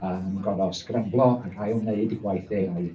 A maen nhw'n gorfod sgramblo ac ailwneud eu gwaith AI